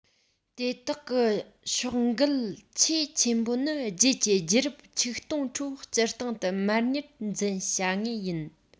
དེ དག གི ཕྱོགས འགལ ཆེས ཆེན པོ ནི རྗེས ཀྱི རྒྱུད རབས ཆིག སྟོང ཁྲོད སྤྱིར བཏང དུ མར ཉར འཛིན བྱ ངེས ཡིན